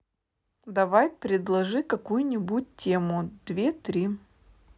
давай предложи какую нибудь тему две три